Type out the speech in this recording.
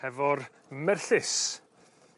hefo'r merllys.